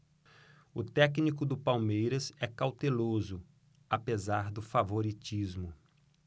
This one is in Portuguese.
o técnico do palmeiras é cauteloso apesar do favoritismo